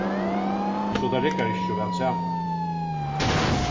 so tað riggar ikki so væl saman